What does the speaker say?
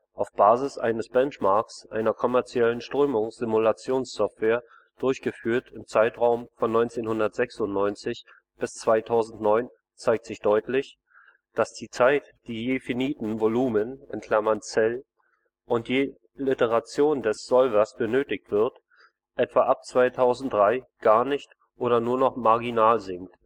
Auf Basis eines Benchmarks einer kommerziellen Strömungssimulationssoftware durchgeführt im Zeitraum von 1996 bis 2009 zeigt sich deutlich, dass die Zeit die je finitem Volumen (cell) und je Iteration des Solvers benötigt wird, etwa ab 2003 gar nicht oder nur noch marginal sinkt